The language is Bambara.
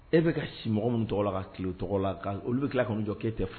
E bi ka si mɔgɔ min tɔgɔ la ka kilen tɔgɔ la olu bi kila kanu jɔ ke tɛ fɔ